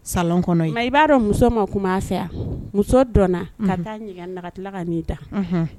Salon kɔnɔ ye, ma i b'a dɔn muso ma kuma fɛ a. Muso donna ka taa ɲingɛnna ka kila ka n'i da.